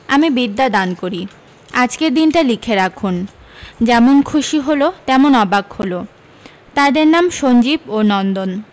আমি বিদ্যা দান করি আজকের দিনটা লিখে রাখুন যেমন খুশি হল তেমন অবাক হল তাদের নাম সঞ্জীব ও নন্দন